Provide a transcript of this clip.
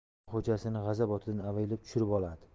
u xo'jasini g'azab otidan avaylab tushirib oladi